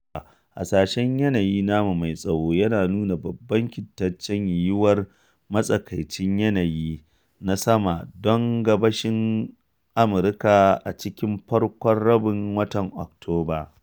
Hasashen yanayin namu mai tsawo yana nuna babban kintacen yiwuwar matsakaicin yanayi na sama don gabashin Amurka a cikin farkon rabin watan Oktoba.